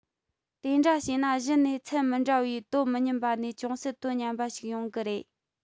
དེ འདྲ བྱས ན གཞི ནས ཚད མི འདྲ བའི དོ མི མཉམ པ ནས ཅུང ཟད དོ མཉམ པ ཞིག ཡོང གི རེད